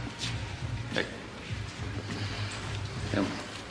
Ei, iawn?